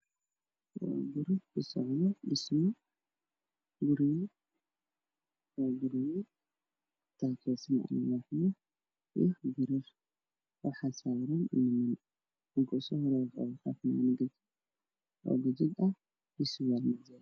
Waa guri dhisme ku socda mutuel ah waxaa ag yaalo aluwaah waxaa saaran niman nin ayaa og taagan